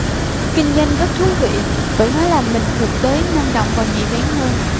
kinh doanh rất thú vị bởi nó làm mình thực tế năng động và nhạy bén hơn